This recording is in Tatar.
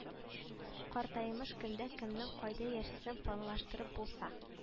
Картаймыш көндә кемнең кайда яшисен планлаштырып булса